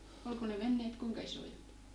olko ne veneet kuinka isoja